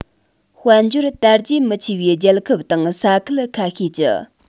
དཔལ འབྱོར དར རྒྱས མི ཆེ བའི རྒྱལ ཁབ དང ས ཁུལ ཁ ཤས ཀྱི